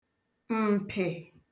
m̀pị̀